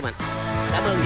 ẩn